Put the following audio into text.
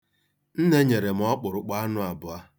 Nne nyere m ọkpụrụkpụ anụ abụọ.